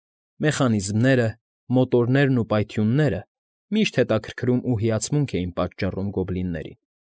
Մեխանիզմները, մոտորներն ու պայթյունները միշտ հետաքրքրում ու հիացմունք էին պատճառում գոբլիններին։